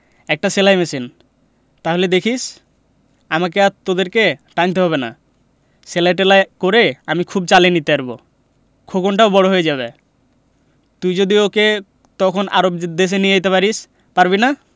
একটা সেলাই মেশিন তাহলে দেখিস আমাকে আর তোদের টানতে হবে না সেলাই টেলাই করে আমি খুব চালিয়ে নিতে পারব খোকনটাও বড় হয়ে যাবে তুই যদি ওকেও তখন আরব দেশে নিয়ে যেতে পারিস পারবি না